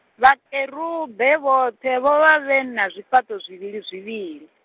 Vhakerube vhoṱhe vho vha vhena zwifhaṱo zwivhilizwivhili.